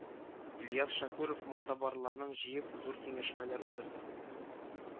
Ильяс Шәкүров малтабарларны җыеп зур киңәшмәләр уздырды